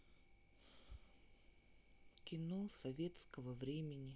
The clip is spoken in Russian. кино советского времени